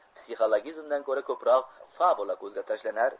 unda psixologizmdan ko'ra ko'proq fabula ko'zga tashlanar